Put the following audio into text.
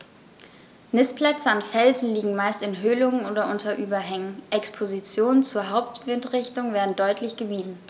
Nistplätze an Felsen liegen meist in Höhlungen oder unter Überhängen, Expositionen zur Hauptwindrichtung werden deutlich gemieden.